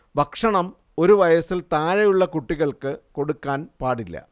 ഭക്ഷണം ഒരു വയസിൽ താഴെയുള്ള കുട്ടികൾക്ക് കൊടുക്കാൻ പാടില്ല